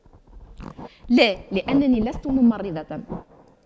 لا لأنني لست ممرضة